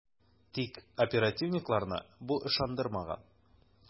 Тик оперативникларны бу ышандырмаган ..